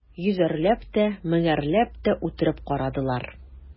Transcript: Йөзәрләп тә, меңәрләп тә үтереп карадылар.